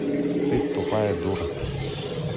ты тупая дура